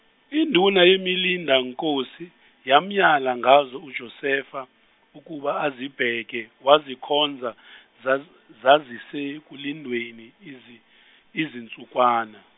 induna yemilindankosi yamyala ngazo uJosefa ukuba azibheke wazikhonza zaz- zazisekulindweni izi- izinsukwana.